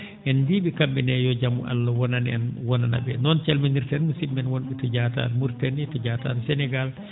en mbiyii ?e kala kam?e ne yo jam Allah wonan en wonana?e noon calminirten musid?e men won?e to Diatare Mauritanie Diatare Sénégal